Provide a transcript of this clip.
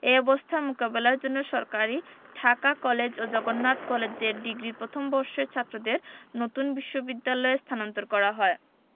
এ অবস্থার মোকাবেলার জন্য সরকারি ঢাকা কলেজ ও জগন্নাথ কলেজের ডিগ্রি প্রথম বর্ষের ছাত্রদের নতুন বিশ্ববিদ্যালয়ে স্থানান্তর করা হয়